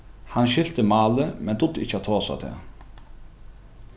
hann skilti málið men dugdi ikki at tosa tað